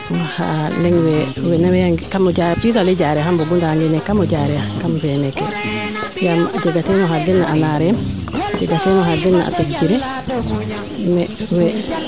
xa'a leŋ we wene way kam o Diarere pisale Diarere a mbogu ndaa ngene kamo Diarere kam fee meeke yaam a jega teen oxa gena a Ndiarem a jega teen oxa gen na